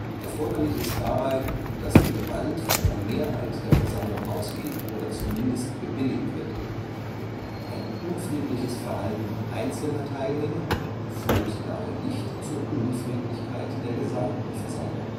Erforderlich ist dabei, dass die Gewalt von der Mehrheit der Versammlung ausgeht oder zumindest gebilligt wird. Ein unfriedliches Verhalten einzelner Teilnehmer führt daher nicht zur Unfriedlichkeit der gesamten Versammlung